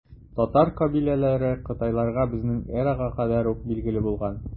Татар кабиләләре кытайларга безнең эрага кадәр үк билгеле булган.